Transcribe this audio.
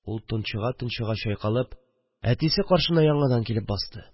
Ул тончыга-тончыга чайкалып әтисе каршына яңадан килеп басты